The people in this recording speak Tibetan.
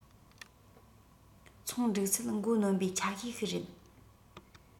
ཚོང འགྲིག ཚད མགོ གནོན པའི ཆ ཤས ཤིག རེད